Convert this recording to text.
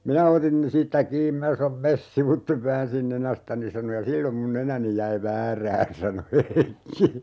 minä otin siitä kiinni minä sanoin mene sivuitse väänsin nenästäni sanoi ja silloin minun nenäni jäi väärään sanoi Heikki